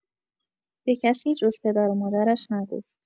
به کسی جز پدر و مادرش نگفت.